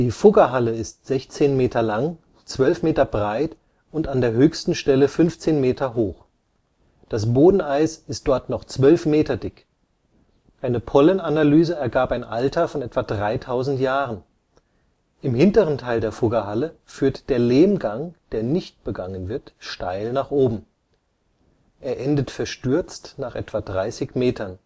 Fuggerhalle ist 16 Meter lang, 12 Meter breit und an der höchsten Stelle 15 Meter hoch. Das Bodeneis ist dort noch 12 Meter dick. Eine Pollenanalyse ergab ein Alter von etwa 3000 Jahren. Im hinteren Teil der Fuggerhalle führt der Lehmgang, der nicht begangen wird, steil nach oben. Er endet verstürzt nach etwa 30 Metern